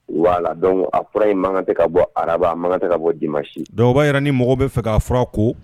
Wala don a fɔra ye makanga ka bɔ araba makanga ka bɔ di'i masi dɔwba yɛrɛ ni mɔgɔ bɛ fɛ ka fura ko